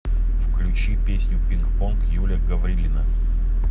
включи песню пинг понг юля гаврилина